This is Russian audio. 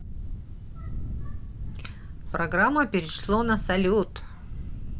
программа перешло на салют